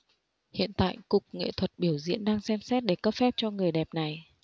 hiện tại cục nghệ thuật biểu diễn đang xem xét để cấp phép cho người đẹp này